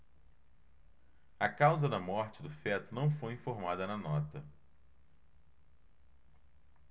a causa da morte do feto não foi informada na nota